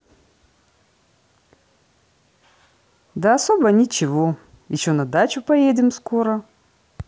да особо ничего еще на дачу поедем скоро